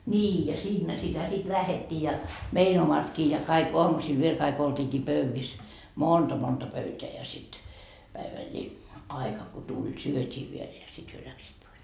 niin ja siinä sitä sitten lähdettiin ja meidän omatkin ja kaikki aamusilla vielä kaikki oltiinkin pöydissä monta pöytää ja sitten - päivällisaika kun tuli syötiin vielä ja sitten he lähtivät pois